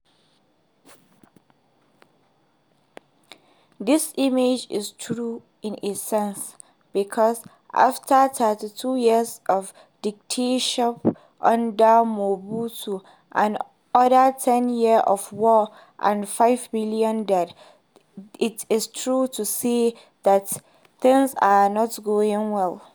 This image is true in a sense because after 32 years of dictatorship under Mobutu and over ten years of war and 5 million dead, it is true to say that things are not going well.